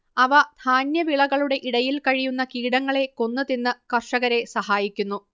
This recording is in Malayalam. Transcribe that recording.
അവ ധാന്യവിളകളുടെ ഇടയിൽ കഴിയുന്ന കീടങ്ങളെ കൊന്ന് തിന്ന് കർഷകരെ സഹായിക്കുന്നു